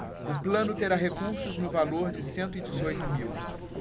o plano terá recursos no valor de cento e dezoito mil